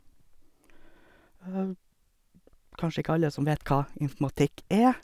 Kanskje ikke alle som vet hva informatikk er.